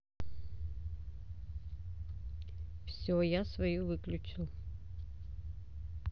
все я свою выключил